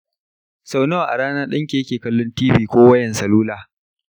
sau nawa a rana danki yake kallon tv ko wayan salula?